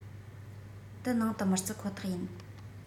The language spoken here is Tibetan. དི ནང དུ མི བརྩི ཁོ ཐག ཡིན